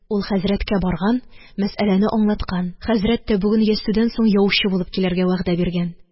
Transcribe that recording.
Ул хәзрәткә барган, мәсьәләне аңлаткан. Хәзрәт тә бүген ястүдән соң яучы булып килергә вәгъдә биргән.